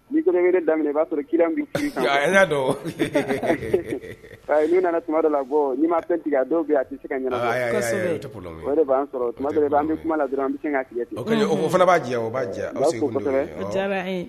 Nii ko bɛ weeleli daminɛ tuma dɔ la, i b'a sɔrɔ client bɛ firi i kan, an y'a don o,ɛhen, ɛheɛ, ni nana, tuma dwɔ la, bon n i ma appel tigɛ a dɔw bɛ yen a tɛ se ka ɲanabɔ, kosɛbɛ, aa ayi, ayi, o tɛ probleme ye , o de b'an sɔrɔ tuma dɔw la, an bɛ kuma la dɔrɔnw, an bɛ sin k'a tigɛ ten O fana b'a diya, o b'a diya, aw sigi kun de ye o ye o an b'aw fo kosɛbɛn, o diyala an ye.